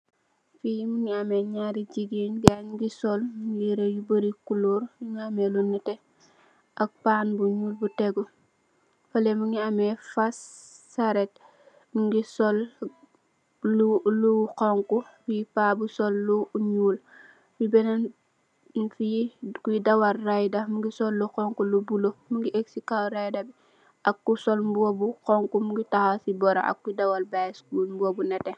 Fi mungi ameh naari jigéen gaye mung sol yiré yu baari kuloor, mungi am lu nètè ak paan bu ñuul bu tégu. Falè mungi ameh faas sarèt mungi sol lu honku, fi pa bu sol lu ñuul. Ci benen nung fi ki dawal rëyda mungi sol lu honku, lu bulo. Mungi egg ci kaw rëyda bi ak Ku sol mbuba bu honku mungi tahaw ci boram ak ki dawal bicycle.